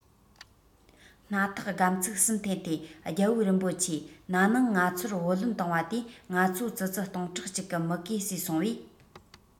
སྣ ཐག སྒམ ཚིག གསུམ འཐེན ཏེ རྒྱལ པོ རིན པོ ཆེ ན ནིང ང ཚོར བུ ལོན བཏང བ དེས ང ཚོ ཙི ཙི སྟོང ཕྲག གཅིག གི མུ གེ གསོས སོང བས